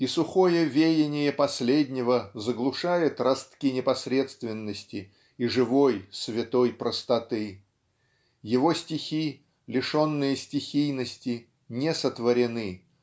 и сухое веяние последнего заглушает ростки непосредственности и живой святой простоты. Его стихи лишенные стихийности не сотворены